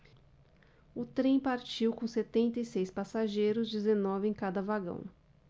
o trem partiu com setenta e seis passageiros dezenove em cada vagão